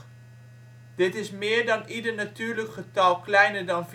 meer dan ieder natuurlijk getal kleiner dan